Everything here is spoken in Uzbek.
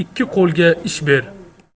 ikki qo'liga ish ber